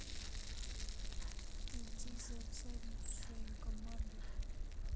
иди за в задницу своим командуй